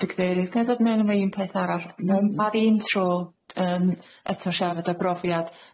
Mistyr Cadeirydd ga i ddod mewn am un peth arall 'ma'r un tro yym, eto sharad o brofiad,